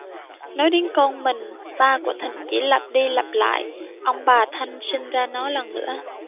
nói đến con mình ba của thịnh chỉ lặp đi lặp lại ông bà thanh sinh ra nó lần nữa